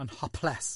Yn hoples.